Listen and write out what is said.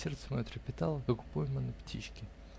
Сердце мое трепетало, как у пойманной птички.